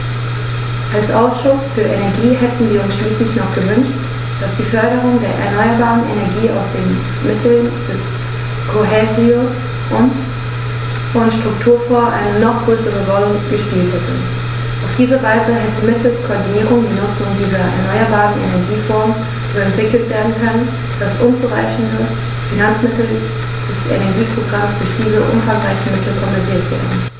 Als Ausschuss für Energie hätten wir uns schließlich noch gewünscht, dass die Förderung der erneuerbaren Energien aus den Mitteln des Kohäsions- und Strukturfonds eine noch größere Rolle gespielt hätte. Auf diese Weise hätte mittels Koordinierung die Nutzung dieser erneuerbaren Energieformen so entwickelt werden können, dass unzureichende Finanzmittel des Energieprogramms durch diese umfangreicheren Mittel kompensiert werden.